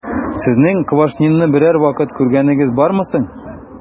Сезнең Квашнинны берәр вакыт күргәнегез бармы соң?